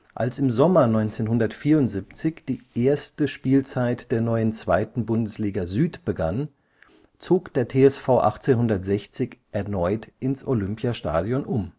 Als im Sommer 1974 die erste Spielzeit der neuen 2. Bundesliga Süd begann, zog der TSV 1860 erneut ins Olympiastadion um